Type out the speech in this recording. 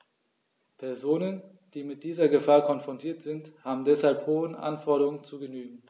Personen, die mit dieser Gefahr konfrontiert sind, haben deshalb hohen Anforderungen zu genügen.